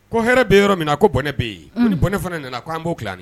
Ko hɛrɛ bɛ yɔrɔ min na ko bɔnɛ bɛ yen ni bɔnɛ fana nana k'an b'o tila.an i